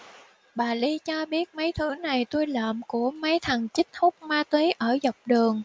bà ly cho biết mấy thứ này tui lượm của mấy thằng chích hút ma túy ở dọc đường